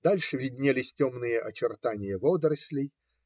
Дальше виднелись темные очертания водорослей.